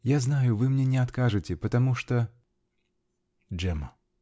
Я знаю, вы мне не откажете, потому что. Джемма".